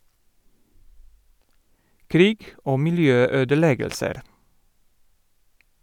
Krig og miljøødeleggelser.